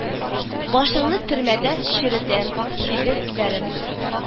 Башыңны төрмәдә черетәм, Себер ибәрем